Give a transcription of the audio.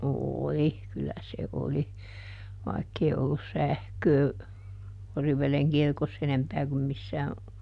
oli kyllä se oli vaikka ei ollut sähköä Oriveden kirkossa enempää kuin missään